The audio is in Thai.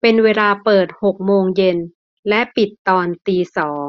เป็นเวลาเปิดหกโมงเย็นและปิดตอนตีสอง